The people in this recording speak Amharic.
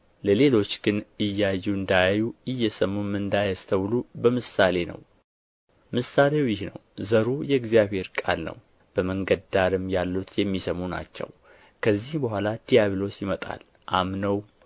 ለሌሎች ግን እያዩ እንዳያዩ እየሰሙም እንዳያስተውሉ በምሳሌ ነው ምሳሌው ይህ ነው ዘሩ የእግዚአብሔር ቃል ነው በመንገድ ዳርም ያሉት የሚሰሙ ናቸው ከዚህ በኋላም ዲያብሎስ ይመጣል አምነውም